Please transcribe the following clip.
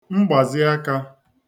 mgbàziakā